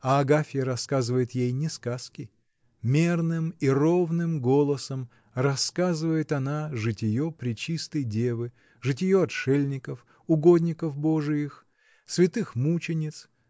а Агафья рассказывает ей не сказки: мерным и ровным голосом рассказывает она житие пречистой девы, житие отшельников, угодников божиих, святых мучениц